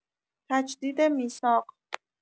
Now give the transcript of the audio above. تجدیدمیثاق